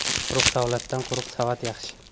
quruq savlatdan quruq savat yaxshi